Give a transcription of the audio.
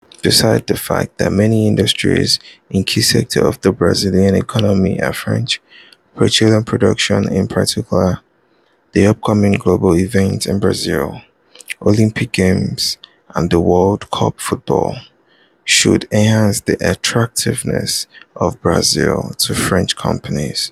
Besides the fact that many industries in key sectors of the Brazilian economy are French (petroleum production in particular), the upcoming global events in Brazil (Olympic Games and World Cup Football) should enhance the attractiveness of Brazil to French companies.